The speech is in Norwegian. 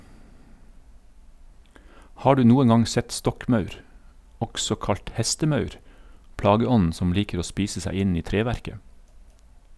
Har du noen gang sett stokkmaur, også kalt hestemaur, plageånden som liker å spise seg inn i treverket?